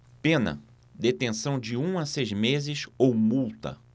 pena detenção de um a seis meses ou multa